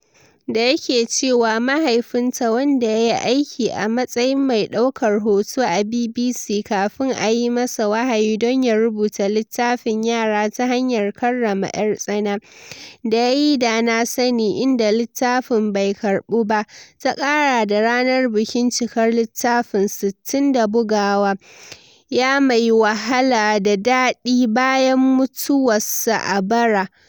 Da yake cewa mahaifinta, wanda ya yi aiki a matsayin mai daukar hoto a BBC kafin a yi masa wahayi don ya rubuta littafin yara ta hanyar karrama ‘yar tsana, da yayi da na sani inda littafin bai karbu ba, ta kara da ranar bukin cikar littafin 60th da bugawa ya "mai wahala da dadi" bayan mutuwa sa a bara.